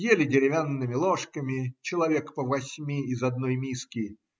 Ели деревянными ложками человек по восьми из одной миски.